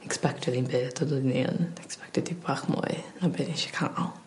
ecspectio 'r un peth doeddwn i yn ecspectio 'dig bach mwy na by nesh i ca'l.